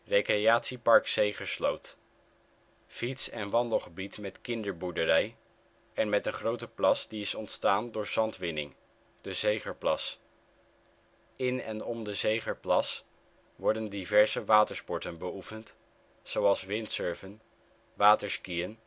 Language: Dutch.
Recreatiepark Zegersloot: Fiets - en wandelgebied met kinderboerderij, en met een grote plas die is ontstaan door zandwinning, de Zegerplas. In en om de Zegerplas worden diverse watersporten beoefend, zoals windsurfen, waterskiën